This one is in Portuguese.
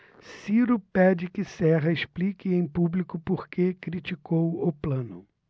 ciro pede que serra explique em público por que criticou plano